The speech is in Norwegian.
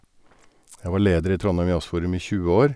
Jeg var leder i Trondheim Jazzforum i tjue år.